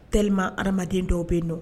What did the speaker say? Tellement adamaden dɔw be ye nɔ